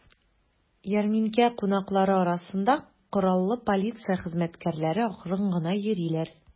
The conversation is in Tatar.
Ярминкә кунаклары арасында кораллы полиция хезмәткәрләре акрын гына йөриләр.